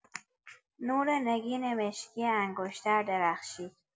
نور نگین مشکی انگشتر درخشید.